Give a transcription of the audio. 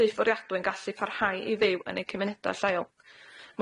dai fforiadwy yn gallu parhau i fyw yn eu cymuneda' lleol.